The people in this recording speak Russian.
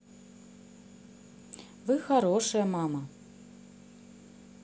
вы хорошая мама